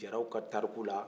jaraw ka tariku la